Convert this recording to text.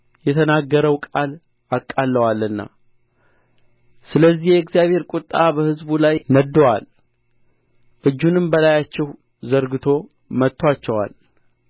የተናገረውን ቃል አቃልለዋልና ስለዚህ የእግዚአብሔር ቍጣ በሕዝቡ ላይ ነድዶአል እጁንም በላያቸው ዘርግቶ መትቶአቸዋል